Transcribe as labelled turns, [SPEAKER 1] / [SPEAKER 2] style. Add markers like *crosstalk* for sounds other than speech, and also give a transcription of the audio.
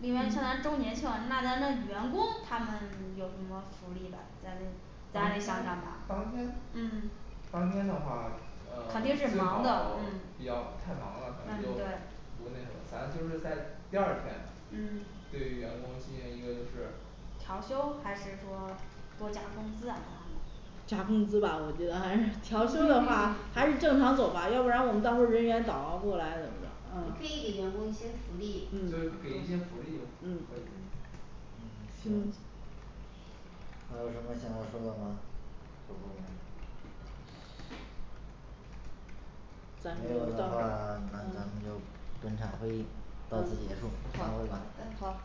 [SPEAKER 1] 另外像咱周年庆那咱的员工他们有什么福利的，咱
[SPEAKER 2] 员
[SPEAKER 1] 咱得想
[SPEAKER 2] 工
[SPEAKER 1] 想
[SPEAKER 2] 当天。
[SPEAKER 1] 嗯
[SPEAKER 2] 当天的话，呃。 *silence*
[SPEAKER 3] 肯定是
[SPEAKER 2] 最
[SPEAKER 3] 忙的
[SPEAKER 2] 好
[SPEAKER 3] 嗯，
[SPEAKER 2] 比较太忙了咱们
[SPEAKER 3] 嗯
[SPEAKER 2] 就
[SPEAKER 3] 对，
[SPEAKER 2] 不那什么，咱就是在第二天
[SPEAKER 3] 嗯
[SPEAKER 2] 对于员工进行一个就是，
[SPEAKER 3] 调休，还是说多加工资啊
[SPEAKER 1] 加工资吧我觉得还是，
[SPEAKER 3] 调休的话，
[SPEAKER 1] *noise* 还是正常走吧，要不然我们到时候人员倒不过来怎么着
[SPEAKER 3] 你可以给员工一些福利，
[SPEAKER 2] 就是给一些福利就可以了
[SPEAKER 1] 嗯
[SPEAKER 4] 嗯
[SPEAKER 5] 嗯
[SPEAKER 4] 行还有什么想要说的吗？各部门儿
[SPEAKER 2] 暂时没
[SPEAKER 4] 没有
[SPEAKER 2] 有，散
[SPEAKER 4] 的
[SPEAKER 2] 会
[SPEAKER 4] 话
[SPEAKER 2] 吧
[SPEAKER 4] 那咱们就本场会议到此结束。散会吧
[SPEAKER 1] 嗯好